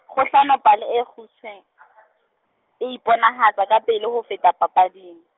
kgohlano pale e kgutshweng, e iponahatsa kapele ho feta papading.